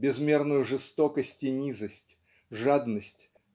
безмерную жестокость и низость жадность